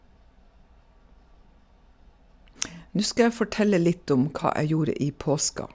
Nu skal jeg fortelle litt om hva jeg gjorde i påska.